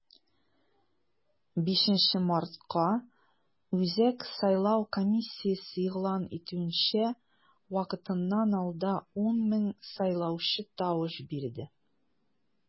5 мартка, үзәк сайлау комиссиясе игълан итүенчә, вакытыннан алда 10 мең сайлаучы тавыш бирде.